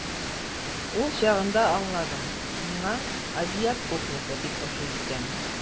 Ул чагында аңладым, миңа азиат кухнясы бик ошый икән.